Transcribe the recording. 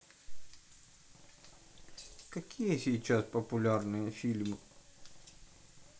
какие сейчас популярные фильмы